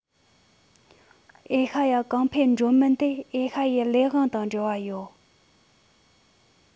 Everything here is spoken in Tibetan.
ཨེ ཤ ཡ གོང འཕེལ འགྲོ མིན དེ ཨེ ཤ ཡའི ལས དབང དང འབྲེལ བ ཡོད